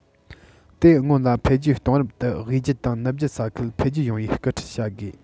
དེ སྔོན ལ འཕེལ རྒྱས གཏོང རིམ དུ དབུས རྒྱུད དང ནུབ རྒྱུད ས ཁུལ འཕེལ རྒྱས ཡོང བའི སྐུལ ཁྲིད བྱ དགོས